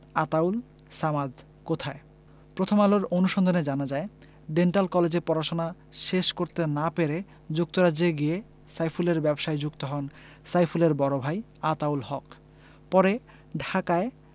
আতাউল সামাদ কোথায় প্রথম আলোর অনুসন্ধানে জানা যায় ডেন্টাল কলেজে পড়াশোনা শেষ করতে না পেরে যুক্তরাজ্যে গিয়ে সাইফুলের ব্যবসায় যুক্ত হন সাইফুলের বড় ভাই আতাউল হক পরে ঢাকায়